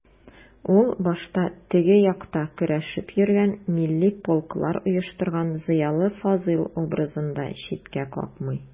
Ул башта «теге як»та көрәшеп йөргән, милли полклар оештырган зыялы Фазыйл образын да читкә какмый.